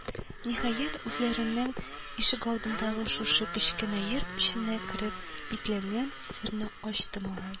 Ниһаять, үзләренең ишегалдындагы шушы кечкенә йорт эченә кереп бикләнгән серне ачты малай